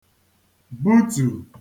butù